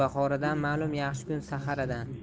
ma'lum yaxshi kun saharidan